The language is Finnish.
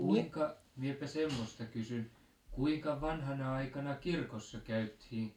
kuinka minäpä semmoista kysyn kuinka vanhana aikana kirkossa käytiin